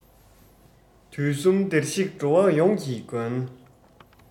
དུས གསུམ བདེར གཤེགས འགྲོ བ ཡོངས ཀྱི མགོན